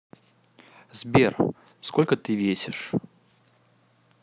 сбер сколько ты весишь